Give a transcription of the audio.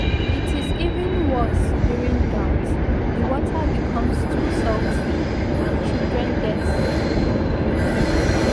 It is even worse during droughts; the water becomes too salty, and children get sick from drinking it.”